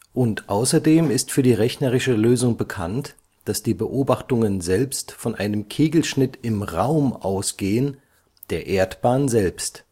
Und außerdem ist für die rechnerische Lösung bekannt, dass die Beobachtungen selbst von einem Kegelschnitt im Raum ausgehen, der Erdbahn selbst